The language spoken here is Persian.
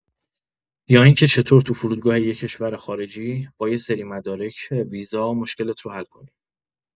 یا اینکه چطور تو فرودگاه یه کشور خارجی، با یه سری مدارک ویزا مشکلت رو حل کنی.